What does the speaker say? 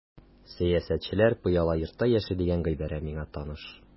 Сәясәтчеләр пыяла йортта яши дигән гыйбарә миңа таныш.